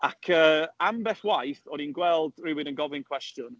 Ac yy, ambell waith, o'n i'n gweld rywun yn gofyn cwestiwn.